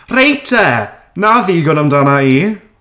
Reit te! 'Na ddigon amdana i.